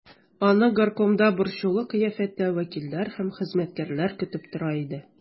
Аны горкомда борчулы кыяфәттә вәкилләр һәм хезмәткәрләр көтеп тора иде.